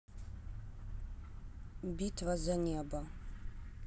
битва за небо